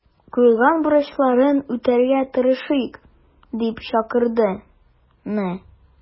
Куелган бурычларны үтәргә тырышыйк”, - дип чакырды Н.